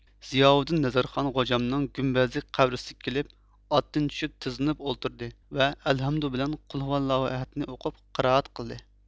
زىياۋۇدۇن نەزەرخان غوجامنىڭ گۈمبەزلىك قەبرىسىگە كېلىپ ئاتتىن چۈشۈپ تىزلىنىپ ئولتۇردى ۋە ئەلھەمدۇ بىلەن قۇلھۇۋەللاھۇ ئەھەد نى ئوقۇپ قىرائەت قىلدى